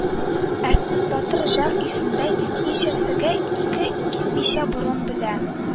Әрсез, батыр җан ияседәй һичнәрсәгә исе китмичә баруын белә